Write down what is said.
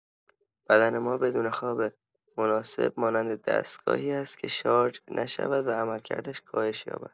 بدن ما بدون خواب مناسب مانند دستگاهی است که شارژ نشود و عملکردش کاهش یابد.